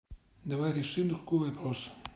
давай решим другой вопрос